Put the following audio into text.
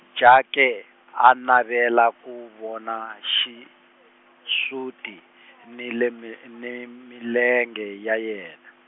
Jake a navela ku vona xisuti, ni le mi, ni milenge ya yena.